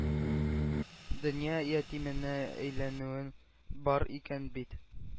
Дөнья ятименә әйләнүең бар икән бит...